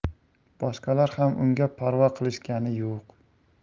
boshqalar ham unga parvo qilishgani yo'q